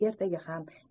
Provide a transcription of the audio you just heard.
ertaga ham